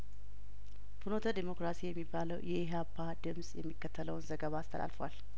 ፍኖተ ዲሞክራሲ የሚባለው የኢህአፓ ድምጽ የሚከተለውን ዘገባ አስተላልፏል